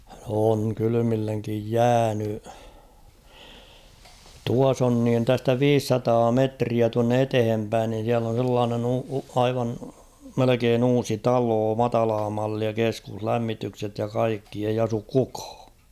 on kylmilleen jäänyt tuossa on niin tästä viisisataa metriä tuonne eteen päin niin siellä on sellainen - aivan melkein uusi talo matalaa mallia keskuslämmitykset ja kaikki ei asu kukaan